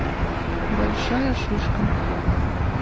большая шишка